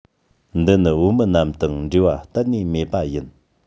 འདི ནི བོད མི རྣམས དང འབྲེལ བ གཏན ནས མེད པ ཡིན